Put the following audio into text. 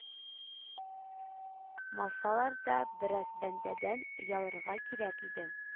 Масалар да, бераз бәндәдән оялырга кирәк иде